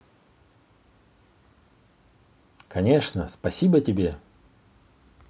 конечно спасибо тебе